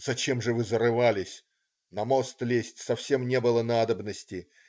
"Зачем же вы зарывались, на мост лезть совсем не было надобности.